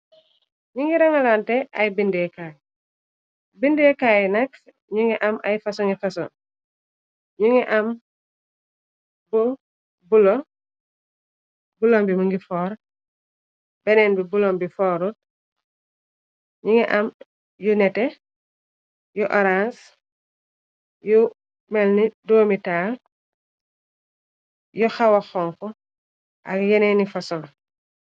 Ni ngi rangalante ay bindeekaay, bindeekaay nak ñu ngi am ay fasongi fason. Nu ngi am bu bulo bulom bi mungi foor, beneen bi buloom bi foorut. Nu ngi am yu nete yu orange yu melni doomitaal yu xawa xonku ak yeneeni fason.